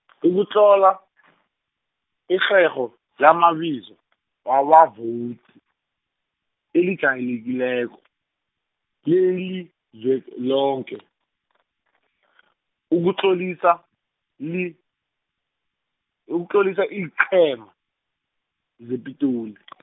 ukutlola , irherho, lamabizo, waba- -vowudi, elijayelekileko, lelizwe, lonke, ukutlolisa, li- ukutlolisa iinqhema, zePitoli .